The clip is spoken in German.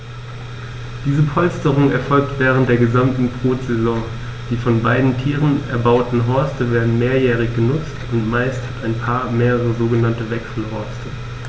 Diese Polsterung erfolgt während der gesamten Brutsaison. Die von beiden Tieren erbauten Horste werden mehrjährig benutzt, und meist hat ein Paar mehrere sogenannte Wechselhorste.